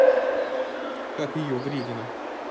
как есть вредина